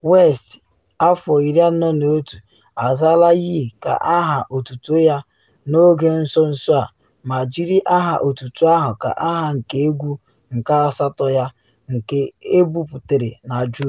West, afọ 41, azaala Ye ka aha otutu ya n’oge nso nso a ma jiri aha otutu ahụ ka aha nke egwu nke asatọ ya, nke ebuputere na Juun.